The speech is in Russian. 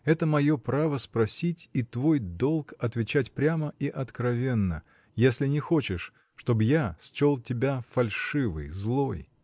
Это мое право — спросить, и твой долг — отвечать прямо и откровенно, если не хочешь, чтоб я счел тебя фальшивой, злой.